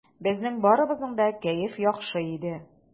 Безнең барыбызның да кәеф яхшы иде.